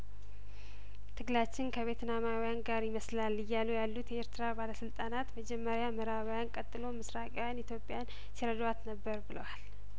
ትግላችን ከቬትናማውያን ጋር ይመስላል እያሉ ያሉት የኤርትራ ባለስልጣናት መጀመሪያምእራባዊያን ቀጥሎም ምስራቃውያን ኢትዮጵያን ሲረዷት ነበር ብለዋል